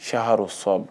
Caharro sɔ